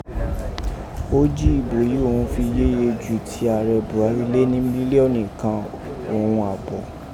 O jí ibo yìí òghun fi yéye jù ti aarẹ Buhari lé ni miliọnu kàn oghun àbọ̀.